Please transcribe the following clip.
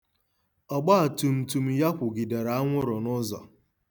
Ọgbatumtum ya kwụgidere anwụrụ n'ụzọ.